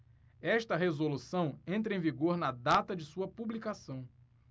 esta resolução entra em vigor na data de sua publicação